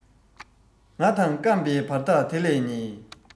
ང དང བརྐམ པའི བར ཐག དེ ལས ཉེ